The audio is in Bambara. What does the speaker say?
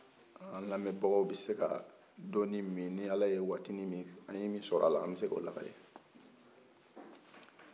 an lamɛbagaw bi se ka dɔni min ni ala ye waatinin min an ye min sɔrɔ la an bɛ se k'o lakale